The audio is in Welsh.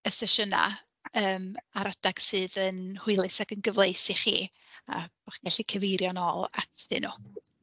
Y sesiynau yym ar adeg sydd yn hwylus ac yn gyfleus i chi, a bod chi'n gallu cyfeirio yn ôl atyn nhw.